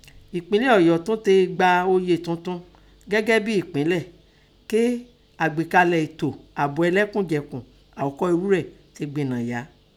Ẹ̀pínlẹ̀ Ọ̀yọ́ tún tẹ gba oyè tuntun gẹ́gẹ́ bín ẹ̀pínlẹ̀ tẹ́ àgbékalẹ̀ ètò àbò ẹlẹ́kùnjẹkùn àọ́kọ́ inrú rẹ̀ tẹ gbináya.